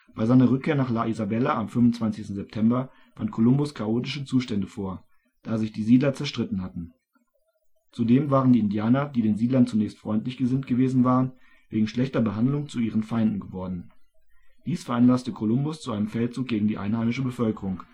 Bei seiner Rückkehr nach La Isabela am 25. September fand Kolumbus chaotische Zustände vor, da sich die Siedler zerstritten hatten. Zudem waren die Indianer, die den Siedlern zunächst freundlich gesinnt gewesen waren, wegen schlechter Behandlung zu ihren Feinden geworden. Dies veranlasste Kolumbus zu einem Feldzug gegen die einheimische Bevölkerung